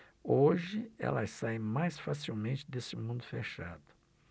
hoje elas saem mais facilmente desse mundo fechado